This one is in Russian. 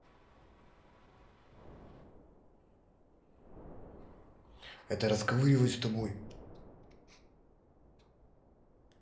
это расковыривать с тобой